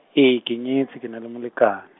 ee ke nyetse ke na le molekane.